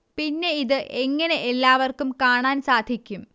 പിന്നെ ഇത് എങ്ങനെ എല്ലാവര്ക്കും കാണാന് സാധിക്കും